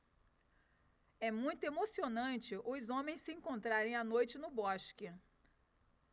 é muito emocionante os homens se encontrarem à noite no bosque